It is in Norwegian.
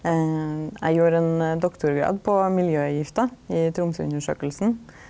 eg gjorde ein doktorgrad på miljøgifter i Tromsøundersøkelsen.